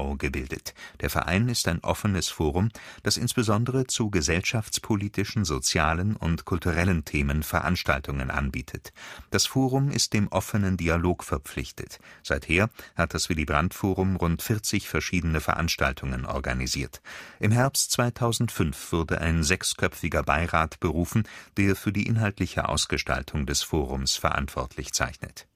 gebildet. Der Verein ist ein offenes Forum, das insbesondere zu gesellschaftspolitischen, sozialen und kulturellen Themen Veranstaltungen anbietet. Das Forum ist dem offenen Dialog verpflichtet. Seither hat das Willy-Brandt-Forum rund 40 verschiedene Veranstaltungen organisiert. Im Herbst 2005 wurde ein sechsköpfiger Beirat berufen, der für die inhaltliche Ausgestaltung des Forums verantwortlich zeichnet